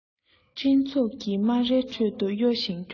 སྤྲིན ཚོགས ཀྱི སྨ རའི ཁྲོད དུ གཡོ ཞིང འཁྱོམ